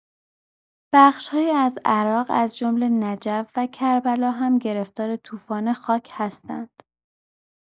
بخش‌هایی از عراق از جمله نجف و کربلا هم گرفتار طوفان خاک هستند.